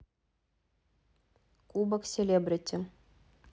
кубок селебрити